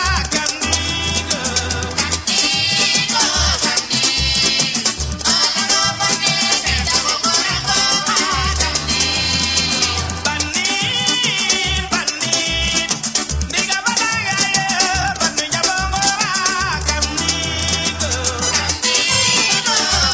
par rapport ak yeneen zones yi comme ay Fimela par exemeple foofu lu muy taw pa bëri na ak ak yooyu donc zone yooyu moom 73 bi mooy benn variété bi moom la ñu fay gën a béy xam nga kon tànn variété bi moom kon ça dépend si pluviométrie bi